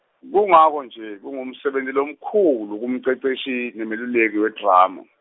kungako-nje kungumsebenti lomkhulu kumceceshi, nemeluleki wedrama.